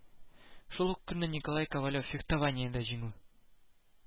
Шул ук көнне Николай Ковалев фехтованиедә иңү